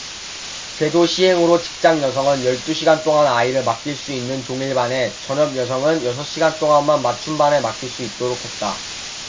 제도 시행으로 직장여성은 열 두 시간 동안 아이를 맡길 수 있는 종일반에 전업여성은 여섯 시간 동안만 맞춤반에 맡길 수 있도록 했다